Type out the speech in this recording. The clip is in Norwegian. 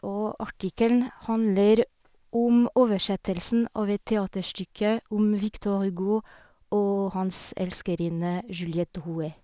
Og artikkelen handler om oversettelsen av et teaterstykke om Victor Hugo og hans elskerinne Juliette Drouet.